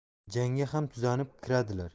jangga ham tuzanib kiradilar